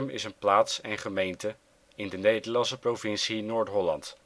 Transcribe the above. is een plaats en gemeente in de Nederlandse provincie Noord-Holland